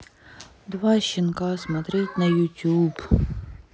два щенка смотреть на ютуб